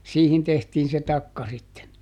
siihen tehtiin se takka sitten